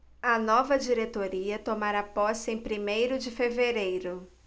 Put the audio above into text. a nova diretoria tomará posse em primeiro de fevereiro